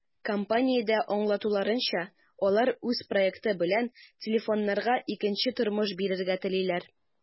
Компаниядә аңлатуларынча, алар үз проекты белән телефоннарга икенче тормыш бирергә телиләр.